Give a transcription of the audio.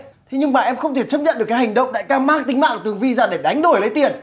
thế nhưng mà em không thể chấp nhận được cái hành động đại ca mang tính mạng của tường vi ra để đánh đổi lấy tiền